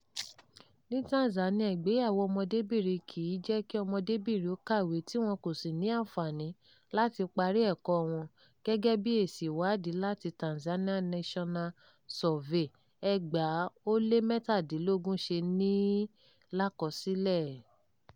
Ní Tanzania, ìgbéyàwó ọmọdébìnrin kì í jẹ kí ọmọdébìnrin ó kàwé tí wọn kò sì ní àǹfààní láti parí ẹ̀kọ́ọ wọn, gẹ́gẹ́ bí èsì ìwádìí láti Tanzania National Survey, 2017 ṣe ní i lákọsílẹ̀.